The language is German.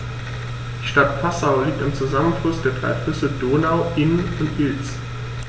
Die Stadt Passau liegt am Zusammenfluss der drei Flüsse Donau, Inn und Ilz.